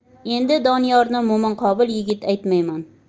endi doniyorni mo'min qobil yigit aytmayman